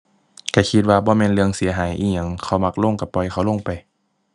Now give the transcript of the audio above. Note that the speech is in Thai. ก็คิดว่าบ่แม่นเรื่องเสียหายอิหยัง เขามักลงก็ปล่อยเขาลงไป